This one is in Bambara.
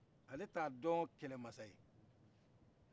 a le t'a don kɛlɛ masa ye